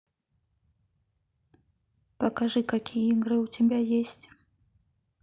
покажи какие игры у тебя есть